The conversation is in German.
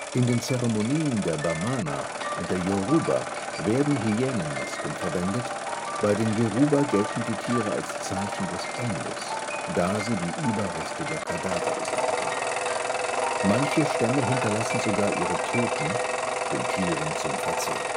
In den Zeremonien der Bamana und der Yoruba werden Hyänenmasken verwendet, bei den Yoruba gelten die Tiere als Zeichen des Endes, da sie die Überreste der Kadaver beseitigen. Manche Stämme hinterlassen sogar ihre Toten den Tieren zum Verzehr